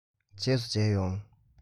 རྗེས སུ མཇལ ཡོང